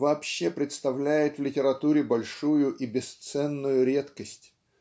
вообще представляет в литературе большую и бесценную редкость.